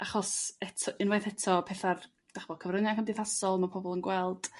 achos eto unwaith eto petha'r 'dach ch'mo' cyfryngau cymdeithasol mae pobl yn gweld